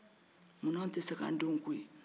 munna anw te se k'an denw kɛ o ye